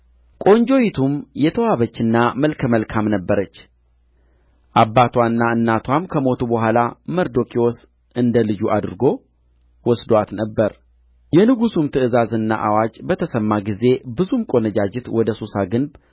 ቆንጆይቱም የተዋበችና መልከ መልካም ነበረች አባትዋና እናትዋም ከሞቱ በኋላ መርዶክዮስ እንደ ልጁ አድርጎ ወስዶአት ነበር የንጉሡም ትእዛዝና አዋጅ በተሰማ ጊዜ ብዙም ቈነጃጅት ወደ ሱሳ ግንብ